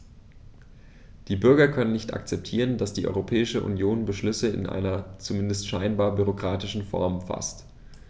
Die Bürger können nicht akzeptieren, dass die Europäische Union Beschlüsse in einer, zumindest scheinbar, bürokratischen Form faßt.